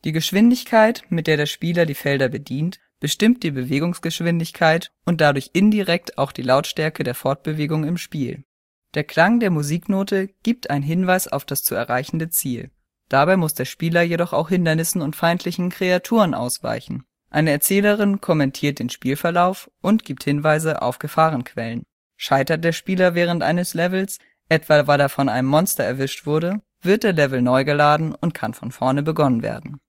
Geschwindigkeit, mit der der Spieler die Felder bedient, bestimmt die Bewegungsgeschwindigkeit und dadurch indirekt auch die Lautstärke der Fortbewegung im Spiel. Der Klang der Musiknote gibt einen Hinweis auf das zu erreichende Ziel, dabei muss der Spieler jedoch auch Hindernissen und feindlichen Kreaturen ausweichen. Eine Erzählerin kommentiert den Spielverlauf und gibt Hinweise auf Gefahrenquellen. Scheitert der Spieler während eines Levels, etwa weil er von einem Monster erwischt wurde, wird der Level neu geladen und kann von vorne begonnen werden